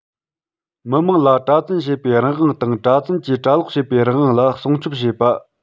མི དམངས ལ གྲྭ བཙུན བྱེད པའི རང དབང དང གྲྭ བཙུན གྱིས གྲྭ ལོག བྱེད པའི རང དབང ལ སྲུང སྐྱོང བྱེད པ